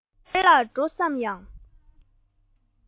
ཡར ལ འགྲོ བསམ ཡང